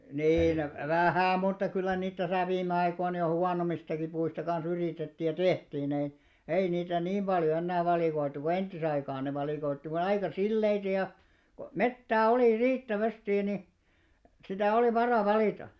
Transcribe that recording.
niin nyt vähän mutta kyllä niitä tässä viime aikoina jo huonommistakin puista kanssa yritettiin ja tehtiin ei ei niitä niin paljon enää valikoitu kuin entisaikaan ne valikoivat aika sileitä ja kun metsää oli riittävästi niin sitä oli vara valita